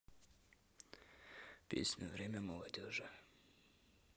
песня время молодежи